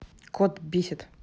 кот бесит